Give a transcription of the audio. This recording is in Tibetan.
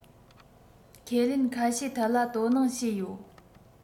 ཁས ལེན ཁ ཤས ཐད ལ དོ སྣང བྱས ཡོད